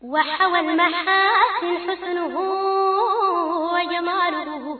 Wadugu wadugu